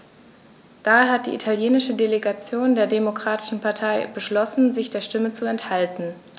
Daher hat die italienische Delegation der Demokratischen Partei beschlossen, sich der Stimme zu enthalten.